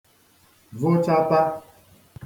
vụchata